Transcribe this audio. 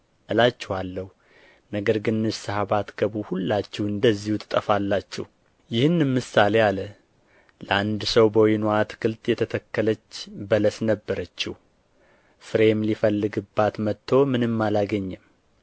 እላችኋለሁ ነገር ግን ንስሐ ባትገቡ ሁላችሁ እንደዚሁ ትጠፋላችሁ ይህንም ምሳሌ አለ ለአንድ ሰው በወይኑ አትክልት የተተከለች በለስ ነበረችው ፍሬም ሊፈልግባት መጥቶ ምንም አላገኘም